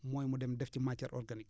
mooy mu dem def ci matière organique